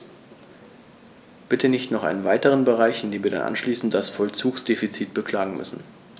Bitte nicht noch einen weiteren Bereich, in dem wir dann anschließend das Vollzugsdefizit beklagen müssen.